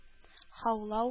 Һаулау